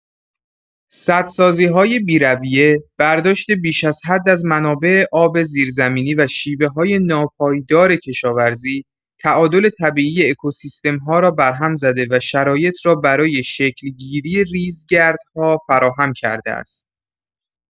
سدسازی‌های بی‌رویه، برداشت بیش از حد از منابع آب زیرزمینی و شیوه‌های ناپایدار کشاورزی، تعادل طبیعی اکوسیستم‌ها را بر هم زده و شرایط را برای شکل‌گیری ریزگردها فراهم کرده است.